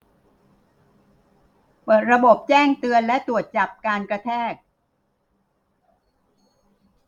เปิดระบบแจ้งเตือนและตรวจจับการกระแทก